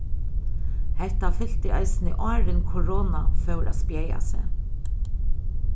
hetta fylti eisini áðrenn korona fór at spjaða seg